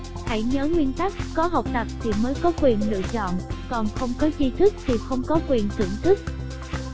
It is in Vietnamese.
hãy nhớ nguyên tắc 'có học tập thì mới có quyền lựa chọn còn không có tri thức thì không có quyền thưởng thức